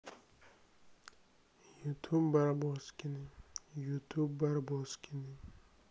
ютуб барбоскины ютуб барбоскины